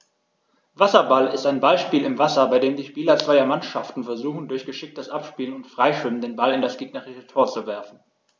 Wasserball ist ein Ballspiel im Wasser, bei dem die Spieler zweier Mannschaften versuchen, durch geschicktes Abspielen und Freischwimmen den Ball in das gegnerische Tor zu werfen.